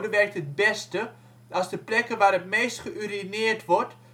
werkt het best als de plekken waar het meest geürineerd wordt